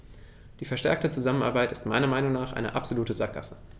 Die verstärkte Zusammenarbeit ist meiner Meinung nach eine absolute Sackgasse.